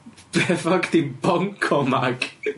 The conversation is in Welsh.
Be' fuck 'di Bonco mag?